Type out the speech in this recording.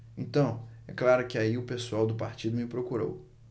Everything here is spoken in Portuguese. então é claro que aí o pessoal do partido me procurou